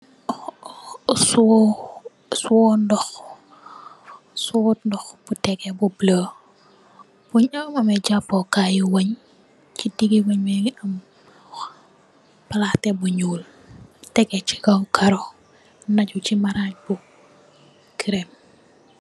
Siwo ndox bu tegeh bu bula mugii ameh japoo kay weñ ci digibi mu ngi am palakeh bu ñuul teyeh ci karó naju ci maraj bu kèrem.